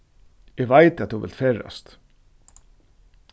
eg veit at tú vilt ferðast